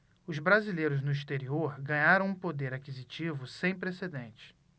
os brasileiros no exterior ganharam um poder aquisitivo sem precedentes